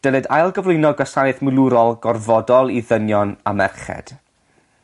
Dylid ail gyflwyno gwasanaeth mwlwrol gorfodol i ddynion a merched.